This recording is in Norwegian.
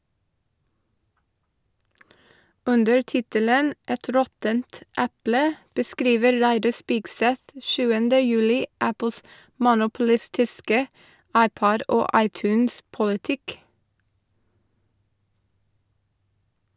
Under tittelen «Et råttent eple» beskriver Reidar Spigseth 7. juli Apples monopolistiske iPod- og iTunes-politikk.